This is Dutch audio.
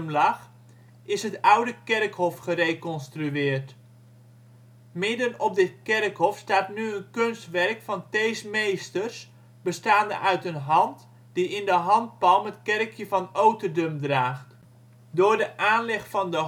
lag is het oude kerkhof gereconstrueerd. Midden op dit kerkhof staat nu een kunstwerk van Thees Meesters bestaande uit een hand die in de handpalm het kerkje van Oterdum draagt. Door de aanleg van de